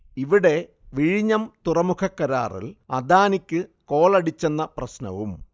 ഇവിടെ വിഴിഞ്ഞം തുറമുഖക്കരാറിൽ അദാനിക്ക് കോളടിച്ചെന്ന പ്രശ്നവും